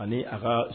Ani a ka